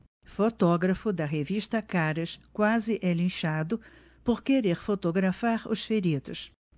fotógrafo da revista caras quase é linchado por querer fotografar os feridos